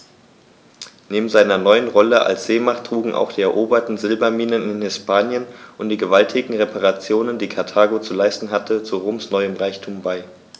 Neben seiner neuen Rolle als Seemacht trugen auch die eroberten Silberminen in Hispanien und die gewaltigen Reparationen, die Karthago zu leisten hatte, zu Roms neuem Reichtum bei.